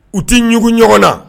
U tɛugu ɲɔgɔn na